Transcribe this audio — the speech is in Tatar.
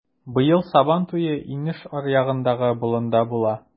Быел Сабантуе инеш аръягындагы болында була.